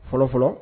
Fɔlɔfɔlɔ